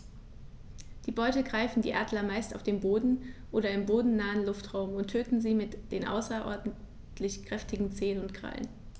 Die Beute greifen die Adler meist auf dem Boden oder im bodennahen Luftraum und töten sie mit den außerordentlich kräftigen Zehen und Krallen.